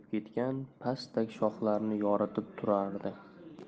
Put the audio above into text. ketgan pastak shoxlarini yoritib turardi